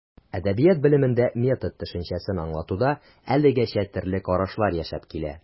Әдәбият белемендә метод төшенчәсен аңлатуда әлегәчә төрле карашлар яшәп килә.